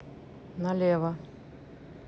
налево